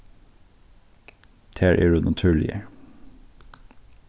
tær eru natúrligar